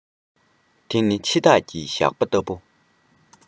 དེ ནི འཆི བདག གི ཞགས པ ལྟ བུ